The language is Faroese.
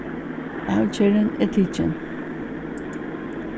avgerðin er tikin